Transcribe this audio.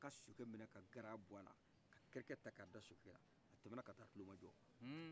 a ya sokɛ minɛ ka gara bɔ ala ka kɛrɛkɛ ta ka da sokɛla a tɛmɛna ka taa kulomajɔ